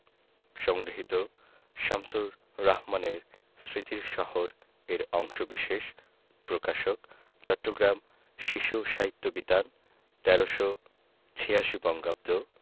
সংগৃহীত শামসুর রাহমানের স্মৃতির শহর এর অংশবিশেষ প্রকাশক চট্টগ্রাম শিশু সাহিত্য বিতান ১৩৮৬ বঙ্গাব্দ